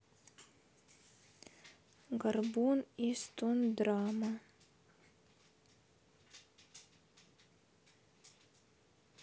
горбун из тондрамма